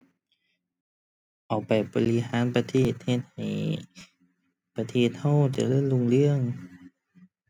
เอาไปบริหารประเทศ เฮ็ดให้ประเทศเราเจริญรุ่งเรือง